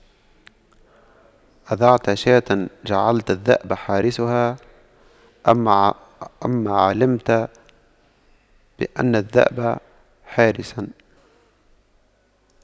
أضعت شاة جعلت الذئب حارسها أما علمت بأن الذئب حراس